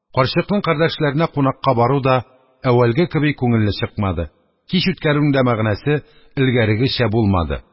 Карчыкның кардәшләренә кунакка бару да әүвәлге кеби күңелле чыкмады, кич үткәрүнең дә мәгънәсе элгәрегечә булмады.